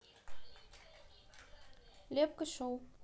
лепка шоу